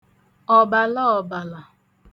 ọ̀bàlaọ̀bàlà